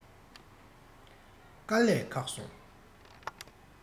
དཀའ ལས ཁག སོང